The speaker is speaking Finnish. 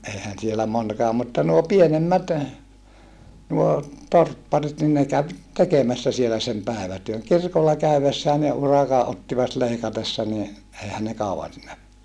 eihän siellä monikaan mutta nuo pienemmät nuo torpparit niin ne kävi tekemässä siellä sen päivätyön kirkolla käydessään ne urakan ottivat leikatessa niin eihän ne kauan siinä